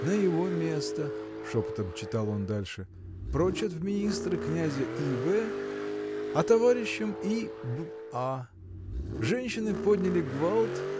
на его место, — шепотом читал он дальше, — прочат в министры князя И. В. , а товарищем И. Б–а. Женщины подняли гвалт.